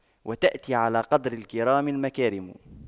وتأتي على قدر الكرام المكارم